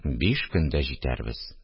– биш көндә җитәрбез